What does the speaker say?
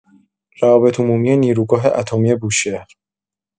روابط‌عمومی نیروگاه اتمی بوشهر